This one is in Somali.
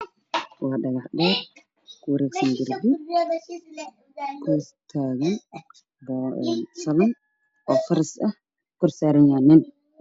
Oo ku wareegsan guri ga korkiisa waxa saaran nin wuxuuna gacanta ku hayaa silig